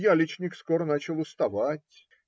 Яличник скоро начал уставать